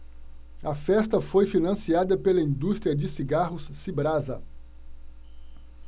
a festa foi financiada pela indústria de cigarros cibrasa